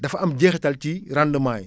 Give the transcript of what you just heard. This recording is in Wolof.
dafa am jeexital ci rendement yi